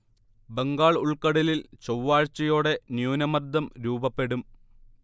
ബംഗാൾ ഉൾക്കടലിൽ ചൊവ്വാഴ്ചയോടെ ന്യൂനമർദം രൂപപ്പെടും